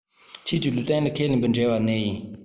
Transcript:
ཁྱེད ཀྱི ལུས སྟེང ལ ཁས ལེན འབྲད བའི གནས ཡིན